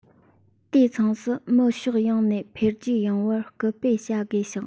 དུས མཚུངས སུ མི ཕྱོགས ཡོངས ནས འཕེལ རྒྱས ཡོང བར སྐུལ སྤེལ བྱ དགོས ཤིང